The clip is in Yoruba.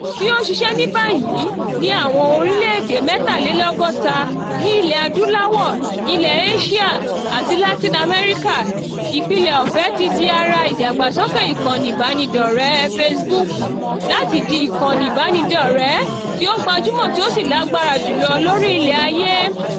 Tí ó ń ṣiṣẹ́ ní báyìí ní àwọn orílẹ̀ èdè 63 ní Ilẹ̀ Adúláwò, Ilẹ̀ Éṣíà àti Latin America, Ìpìlẹ̀ Ọ̀fẹ́ ti di ara ìdàgbàsókè ìkànnì ìbánidọ́rẹ̀ẹ́ Facebook láti di ìkànnì ìbánidọ́rẹ̀ẹ́ tí ó gbajúmò tí ó sì lágbára jùlọ lórílẹ̀ ayé.